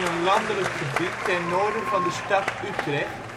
landelijk gebied ten noorden van de stad Utrecht